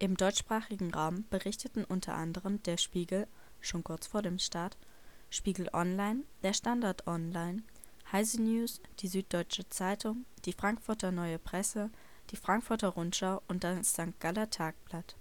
deutschsprachigen Raum berichteten unter anderem Der Spiegel (schon kurz vor dem Start), Spiegel Online, Der Standard Online, Heise News, die Süddeutsche Zeitung, die Frankfurter Neue Presse, die Frankfurter Rundschau und das St. Galler Tagblatt.